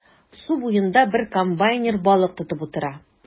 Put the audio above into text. Су буенда бер комбайнер балык тотып утыра.